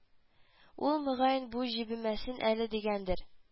Ул мөгаен бу җебемәсен әле дигәндер